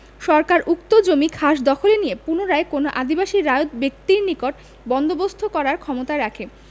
সরকার উক্ত জমি খাসদখলে নিয়ে পুনরায় কোনও আদিবাসী রায়ত ব্যক্তির নিকট বন্দোবস্ত করার ক্ষমতারাখে